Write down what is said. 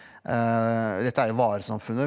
dette er jo varesamfunnet.